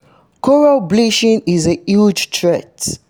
Coral bleaching is a huge threat.